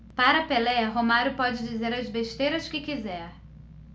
para pelé romário pode dizer as besteiras que quiser